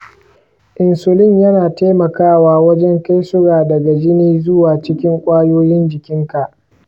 insulin yana taimakawa wajen kai suga daga jini zuwa cikin ƙwayoyin jikinka.